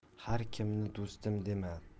har kimni do'stim